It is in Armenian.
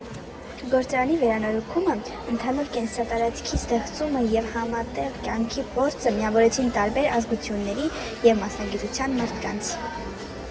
Գործարանի վերանորոգումը, ընդհանուր կենսատարածքի ստեղծումը և համատեղ կյանքի փորձը միավորեցին տարբեր ազգությունների և մասնագիտության մարդկանց։